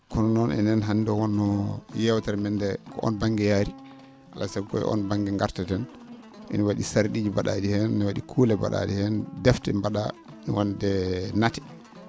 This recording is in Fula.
kono noon enen hannde wonnoo yeewtere men ndee ko oon ba?nge yaari alaa e sago koye oon ba?nge ngarteten ina wa?i sar?iiji mba?aa?i heen no wa?i kuule mba?aa?e heen defte mba?a wonde nate